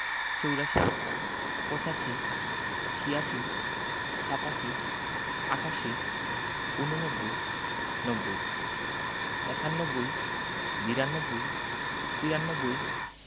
৮৪ – চুরাশি ৮৫ – পঁচাশি ৮৬ – ছিয়াশি ৮৭ – সাতাশি ৮৮ – আটাশি ৮৯ – ঊননব্বই ৯০ - নব্বই ৯১ - একানব্বই ৯২ - বিরানব্বই ৯৩ - তিরানব্বই